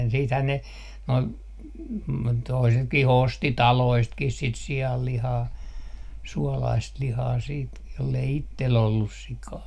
sittenhän ne nuo toisetkin osti taloistakin sitä sianlihaa suolaista lihaa sitten jos ei itsellä ollut sikaa